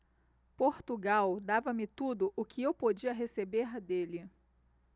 portugal dava-me tudo o que eu podia receber dele